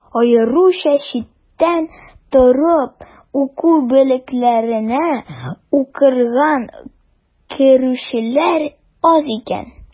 Аеруча читтән торып уку бүлекләренә укырга керүчеләр аз икән.